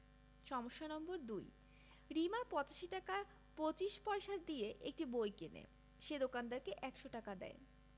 সমস্যা নম্বর ২ রিমা ৮৫ টাকা ২৫ পয়সা দিয়ে একটি বই কিনে সে দোকানদারকে ১০০ টাকা দেয়